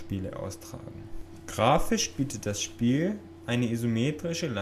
Grafisch bietet das Spiel eine isometrische